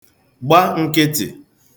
gba n̄kị̄tị̀